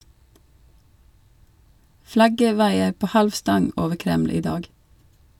Flagget vaier på halv stang over Kreml i dag.